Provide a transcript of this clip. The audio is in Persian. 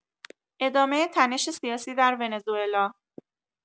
ادامه تنش سیاسی در ونزوئلا